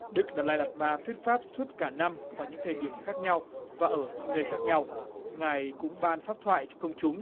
đức đạt lai lạt ma thuyết pháp suốt cả năm vào những thời điểm khác nhau và ở những nơi khác nhau ngài cũng ban pháp thoại cho công chúng